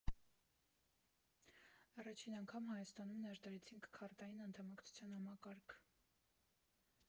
Առաջին անգամ Հայաստանում ներդրեցինք քարտային անդամակցության համակարգը։